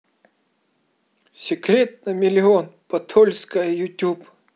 секрет на миллион подольская ютуб